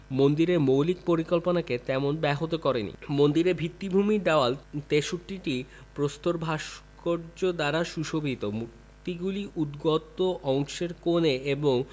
মন্দিরের মৌলিক পরিকল্পনাকে তেমন ব্যাহত করে নি মন্দিরের ভিত্তিভূমির দেয়াল ৬৩টি প্রস্তর ভাস্কর্য দ্বারা সুশোভিত মূর্তিগুলি উদ্গত অংশের কোণে এবং